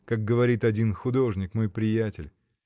как говорит один художник, мой приятель.